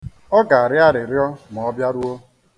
Ọ ga-arịọ arịrịọ ma ọ bịaruo.